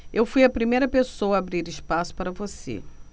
eu fui a primeira pessoa a abrir espaço para você